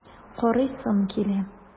Карыйсым килә!